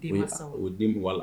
O den b'a la